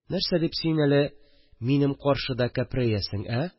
Нәрсә дип син әле минем каршыда кәпрәясең, ә